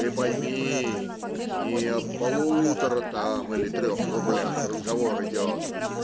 Ты пойми, не об полуторах там или трех рублях разговор идет.